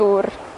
dwr.